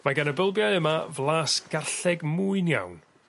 Mae gan y bylbiau yma flas garlleg mwyn iawn.